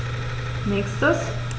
Nächstes.